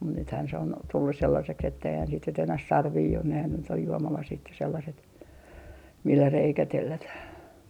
mutta nythän se on tullut sellaiseksi että eihän sitä nyt enää sarvia ole nehän nyt on juomalasit ja sellaiset millä reikä tellätään